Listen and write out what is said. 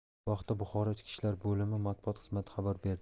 bu haqda buxoro ichki ishlar bolimi matbuot xizmati xabar berdi